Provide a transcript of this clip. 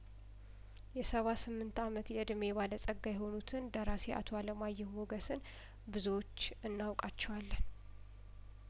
የሰባ ስምንት አመት የእድሜ ባለጸጋ የሆኑትን ደራሲ አቶ አለማየሁ ሞገስን ብዙዎች እናውቃቸዋለን